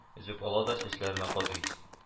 Өзеп ала да чәчләренә кадый